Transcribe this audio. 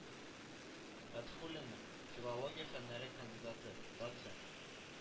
Фатхуллина, филология фәннәре кандидаты, доцент